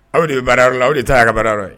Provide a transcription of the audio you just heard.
Aw de ye baara yɔrɔ la o de taa ha ka baara yɔrɔ ye